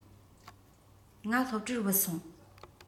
ང སློབ གྲྭར བུད སོང